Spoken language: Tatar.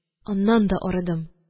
Аннан да арыдым